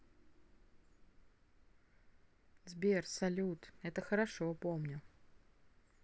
сбер салют это хорошо помню